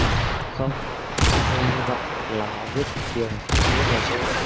không nhưng tôi hi vọng là họ viết những điều có nghĩa về tôi